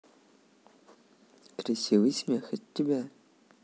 красивый смех от тебя